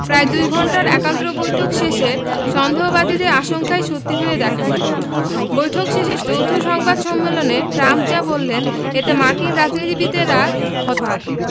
প্রায় দুই ঘণ্টার একান্ত বৈঠক শেষে সন্দেহবাদীদের আশঙ্কাই সত্যি হয়ে দেখা দিল বৈঠক শেষে যৌথ সংবাদ সম্মেলনে ট্রাম্প যা বললেন এতে মার্কিন রাজনীতিবিদেরা হবাক